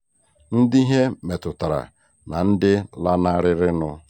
Ndị ihe metụtara na ndị lanarịrịnụ.